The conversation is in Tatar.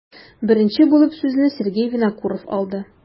Беренче булып сүзне Сергей Винокуров алды.